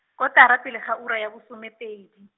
kotara pele ga ura ya bosome pedi.